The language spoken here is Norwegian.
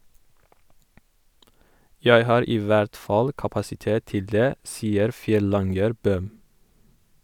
Jeg har i hvert fall kapasitet til det, sier Fjellanger Bøhm.